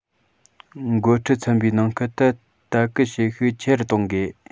འགོ ཁྲིད ཚན པའི ནང ཁུལ དུ ལྟ སྐུལ བྱེད ཤུགས ཆེ རུ གཏོང དགོས